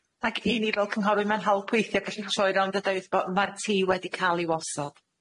Ac i ni fel cynghorwyr ma'n help weithie gallu troi rownd a deud bo' ma'r tŷ wedi ca'l i'w osod.